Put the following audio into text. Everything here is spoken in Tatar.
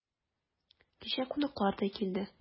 Кичә кунаклар да килде.